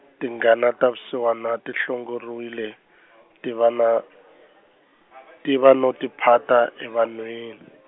tingana ta vusiwana ti hlongoriwile , tiva na, tiva no tiphata evanhwini.